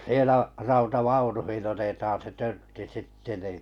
siellä rautavaunuihin otetaan se törtti sitten niin